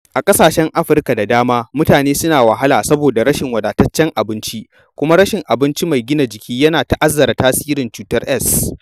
A ƙasashen Afirka da dama mutane suna wahala saboda rashin wadataccen abinci kuma rashin abinci mai gina jiki yana ta'azzara tasirin cutar Es.